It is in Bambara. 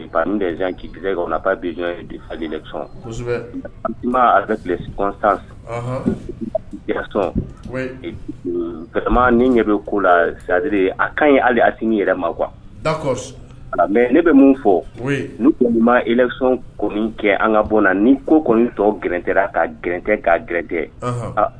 Sanson ni ɲɛ bɛ ko la sari a kan ye ali as yɛrɛ ma kuwa mɛ ne bɛ min fɔ ko ma isɔn kɔni kɛ an ka bɔ na ni ko kɔni tɔ gɛrɛ ka gkɛ ka gkɛ